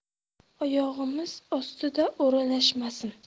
oyog'imiz ostida o'ralashmasin